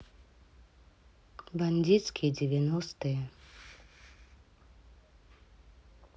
бандитские девяностые